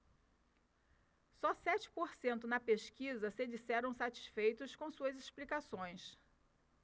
só sete por cento na pesquisa se disseram satisfeitos com suas explicações